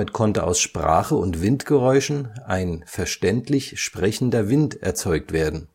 konnte aus Sprache und Windgeräuschen ein verständlich sprechender Wind erzeugt werden